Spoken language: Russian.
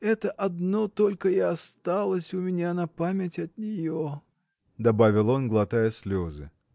Это одно только и осталось у меня на память от нее. — добавил он, глотая слезы.